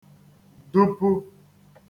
dụpu